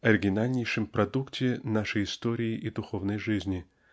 оригинальнейшем продукте нашей истории и духовной жизни